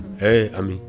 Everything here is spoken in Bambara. Ɛɛ Ami